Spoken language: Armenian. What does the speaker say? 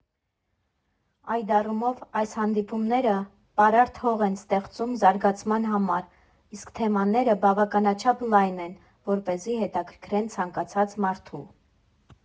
Այդ առումով, այս հանդիպումները պարարտ հող են ստեղծում զարգացման համար, իսկ թեմաները բավականաչափ լայն են, որպեսզի հետաքրքրեն ցանկացած մարդու։